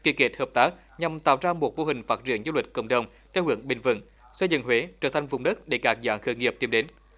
ký kết hợp tác nhằm tạo ra một mô hình phát triển du lịch cộng đồng theo hướng bền vững xây dựng huế trở thành vùng đất để các nhà khởi nghiệp tìm đến